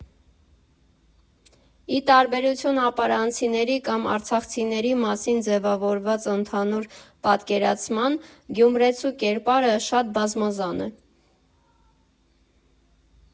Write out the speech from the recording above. Ի տարբերություն ապարանցիների կամ արցախցիների մասին ձևավորված ընդհանուր պատկերացման՝ գյումրեցու կերպարը շատ բազմազան է.